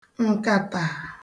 ǹkàtà